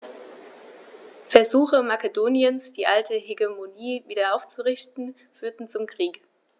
Versuche Makedoniens, die alte Hegemonie wieder aufzurichten, führten zum Krieg.